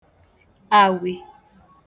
awē